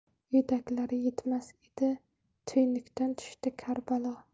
uydagilar yetmas edi tuynukdan tushdi kar balo